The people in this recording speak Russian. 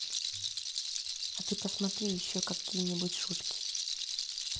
а ты посмотри еще какие нибудь шутки